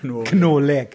Canôlig.